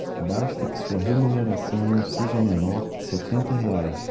basta que sua remuneração não seja menor que setenta reais